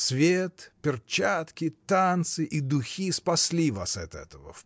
Свет, перчатки, танцы и духи спасли вас от этого.